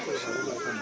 incha allah